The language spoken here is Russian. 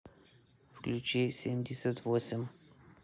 включи семьдесят восемь